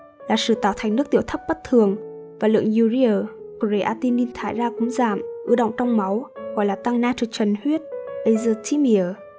là sự tạo thành nước tiểu thấp bất thường và lượng urea creatinin thải ra cũng giảm ứ đọng trong máu gọi là tăng nitrogen huyết